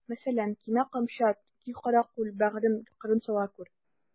Мәсәлән: Кимә камчат, ки каракүл, бәгърем, кырын сала күр.